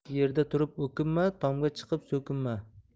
yerda turib o'kinma tomga chiqib so'kinma